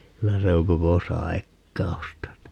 kyllä se on koko saikkausta niin